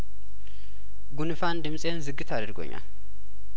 ጉንፋን ድምጼን ዝግት አድርጐኛል